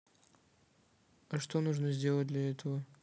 а что нужно сделать для этого